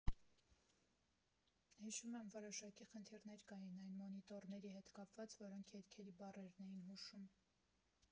Հիշում եմ՝ որոշակի խնդիրներ կային այն մոնիտորների հետ կապված, որոնք երգերի բառերն էին հուշում…